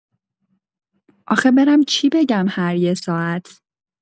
آخه برم چی بگم هر یه ساعت؟!